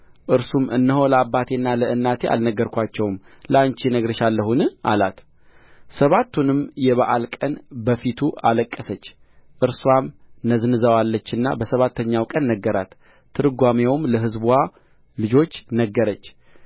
እርሱም እነሆ ለአባቴና ለእናቴ አልነገርኋቸውም ለአንቺ እነግርሻለሁን አላት ሰባቱንም የበዓል ቀን በፊቱ አለቀሰች እርስዋም ነዝንዛዋለችና በሰባተኛው ቀን ነገራት ትርጓሜውንም ለሕዝብዋ ልጆች ነገረች